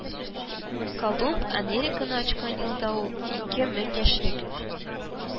Колумб Американы ачкан елда ул ике мең яшьлек